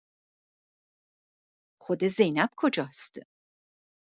خود زینب کجاس؟